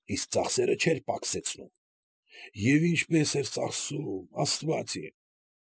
Իսկ ծախսերը չէր պակսեցնում։ Եվ ինչպե՜ս էր ծախսում, աստված իմ։